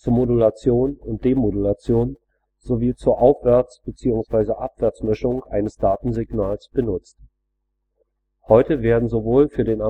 Modulation und Demodulation sowie zur Aufwärts - bzw. Abwärtsmischung eines Datensignals benutzt. Heute werden sowohl für den